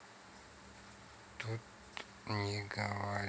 тут не говори